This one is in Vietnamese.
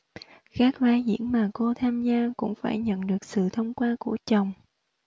các vai diễn mà cô tham gia cũng phải nhận được sự thông qua của chồng